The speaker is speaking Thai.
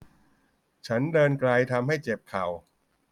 ฉันเดินไกลทำให้เจ็บเข่า